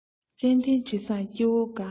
ཙན དན དྲི བཟང སྐྱེ བོ དགའ